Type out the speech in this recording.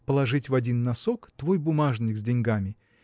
положить в один носок твой бумажник с деньгами.